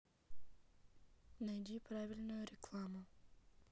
найди правильную рекламу